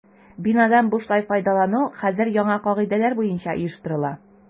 Бинадан бушлай файдалану хәзер яңа кагыйдәләр буенча оештырыла.